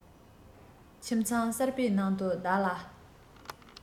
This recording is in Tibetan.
ཁྱིམ ཚང གསར བའི ནང དུ བདག ལ